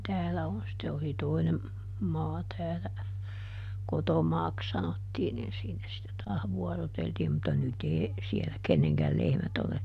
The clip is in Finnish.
täällä on sitten oli toinen maa täällä kotomaaksi sanottiin niin siinä sitten taas vuoroteltiin mutta nyt ei siellä kenenkään lehmät ole